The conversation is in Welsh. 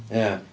Ia.